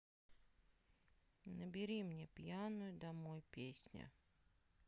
набери мне пьяную домой песня